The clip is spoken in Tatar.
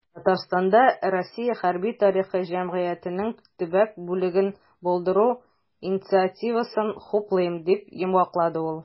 "татарстанда "россия хәрби-тарихи җәмгыяте"нең төбәк бүлеген булдыру инициативасын хуплыйм", - дип йомгаклады ул.